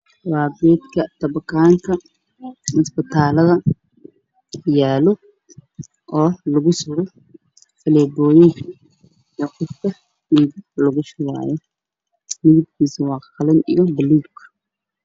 Halkaan waxaa ka muuqdo bir la suro faleenbada ee isbitaalada yaalo midabkiisu waa buluug iyo qalin